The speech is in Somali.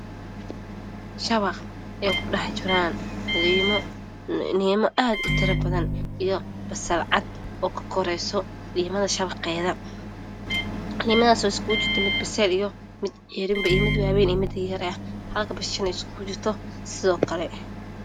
Shabaq ay ku dhex jiraan liino aad u tiro badan iyo basal cad oo ka korayso liimada shabaqeyda, liimadaasoo isku jirto mid bisayl iyo mid cayriin mid yar -yriyo mid iyo waaweyn Halka basasana ay iskugu jirto sidoo kale.